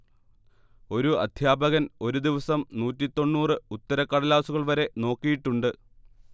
ഒരു അദ്ധ്യാപകൻ ഒരു ദിവസം നൂറ്റി തൊണ്ണൂറ് ഉത്തരക്കടലാസുകൾ വരെ നോക്കിയിട്ടുണ്ട്